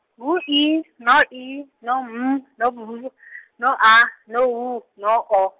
ngu I, no I, no M, no , no A, no W, no O.